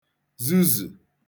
zuzù